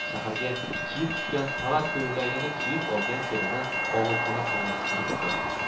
shaharga kiyib tushgan tovar ko'ylagini kiyib olgan kelini og'ilxona tomon yurib borardi